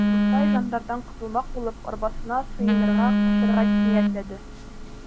Буртай жандардан котылмак булып, арбасына сыенырга, качарга ниятләде.